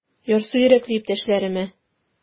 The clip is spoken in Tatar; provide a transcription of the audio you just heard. Ярсу йөрәкле иптәшләреме?